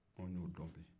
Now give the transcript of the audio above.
anw y'o dɔn bi